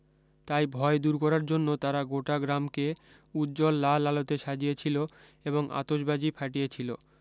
তাই ভয় দূর করার জন্য তারা গোটা গ্রামকে উজ্জ্বল লাল আলোতে সাজিয়েছিল এবং আতসবাজী ফাটিয়েছিল